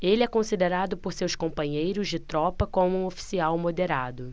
ele é considerado por seus companheiros de tropa como um oficial moderado